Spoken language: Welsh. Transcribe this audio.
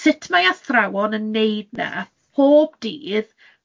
Sut mae athrawon yn 'neud 'na pob dydd,